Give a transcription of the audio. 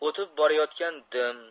o'tib borayotgan dim